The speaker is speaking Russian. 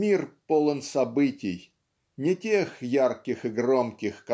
Мир полон событий не тех ярких и громких